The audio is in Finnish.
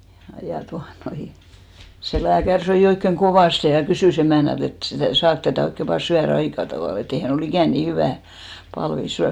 ja tuota noin se lääkäri söi oikein kovasti ja kysyi emännältä että sitä saako tätä oikein vain syödä aika tavalla että ei hän ole ikinä niin hyvää palvia syönyt